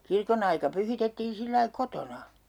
kirkon aika pyhitettiin sillä lailla kotona